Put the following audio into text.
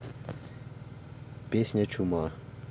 песня чума